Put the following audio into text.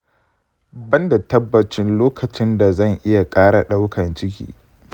ban da tabbacin lokacin da zan iya ƙara daukar ciki .